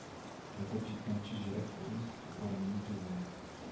Кайтып җиткәнче җөрәк үз урынында түгел